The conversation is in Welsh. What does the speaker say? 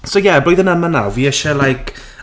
So ie, blwyddyn yma nawr, fi isie like...